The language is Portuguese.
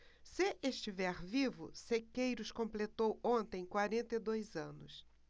se estiver vivo sequeiros completou ontem quarenta e dois anos